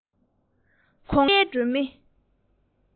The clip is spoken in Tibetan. གུང ཐང དཀོན མཆོག བསྟན པའི སྒྲོན མེ